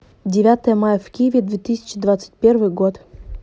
девятое мая в киеве две тысячи двадцать первый год